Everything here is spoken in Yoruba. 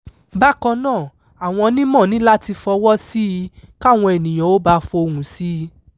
Bákan náà, àwọn onímọ̀ ní láti f'ọwọ́ sí i k'áwọn ènìyàn ó ba f'ohùn sí i.